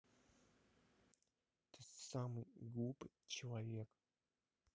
ты самый глупый человек